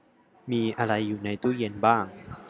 มีอะไรอยู่ในตู้เย็นบ้าง